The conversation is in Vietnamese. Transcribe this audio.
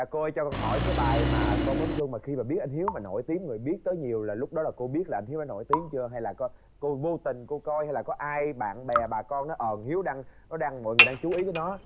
dạ cô ơi cho con hỏi cái bài mà con bướm xuân mà khi mà biết anh hiếu mà nổi tiếng rồi biết tới nhiều là lúc đó là cô biết là anh hiếu anh nổi tiếng chưa hay là có cô vô tình cô coi hay là có ai bạn bè bà con á ờ thằng hiếu đăng nó đăng mọi người đang chú ý tới nó